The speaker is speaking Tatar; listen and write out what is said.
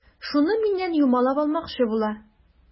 Шуны миннән юмалап алмакчы була.